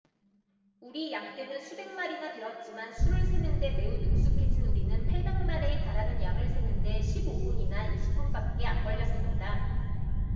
우리 양 떼는 수백 마리나 되었지만 수를 세는 데 매우 능숙해진 우리는 팔백 마리에 달하는 양을 세는 데 십 오 분이나 이십 분밖에 안 걸렸습니다